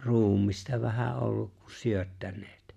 ruumista vähän ollut kun syöttäneet